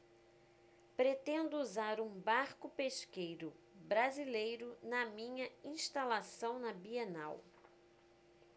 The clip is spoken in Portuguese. pretendo usar um barco pesqueiro brasileiro na minha instalação na bienal